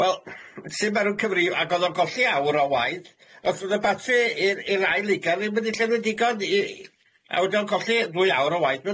Wel sy'n barw cyfrif ag odd o'n colli awr o waith os odd y batri i'r i'r air liga'r ddim wedi llenwi'n digon i- i- a wedi o'n colli ddwy awr o waith.